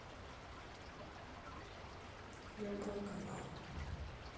любой канал